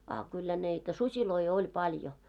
a kyllä niitä susia oli paljon